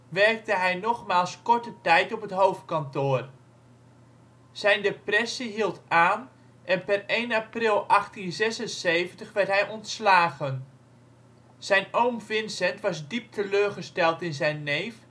werkte hij nogmaals korte tijd op het hoofdkantoor. Zijn depressie hield aan en per 1 april 1876 werd hij ontslagen. Zijn oom Vincent was diep teleurgesteld in zijn neef